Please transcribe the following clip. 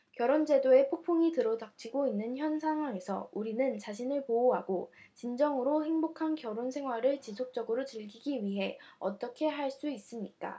결혼 제도에 폭풍이 불어 닥치고 있는 현 상황에서 우리는 자신을 보호하고 진정으로 행복한 결혼 생활을 지속적으로 즐기기 위해 어떻게 할 수 있습니까